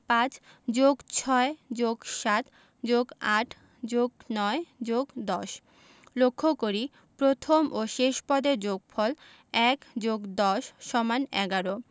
৫+৬+৭+৮+৯+১০ লক্ষ করি প্রথম ও শেষ পদের যোগফল ১+১০=১১